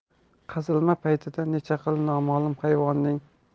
qazilma paytida necha xil nomalum hayvonning